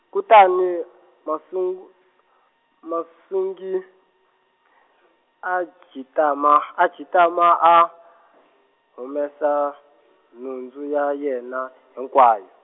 kutani, Masungu , Masungi , a jitama, a jitama a , humesa , nhundzu ya yena , hinkwayo.